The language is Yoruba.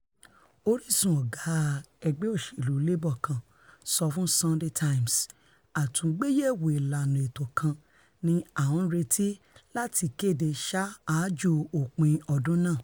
Orísun ọ̀gá Ẹgbẹ̵̇́ Òṣèlú Labour kan sọ fún Sunday Times: 'Àtúgbéyẹ̀wò ìlàna ètò kan ni a ńreti láti kéde saájú òpin ọdún náà.